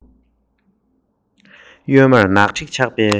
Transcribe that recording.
ལག གཡས པས ཧ ཡང གི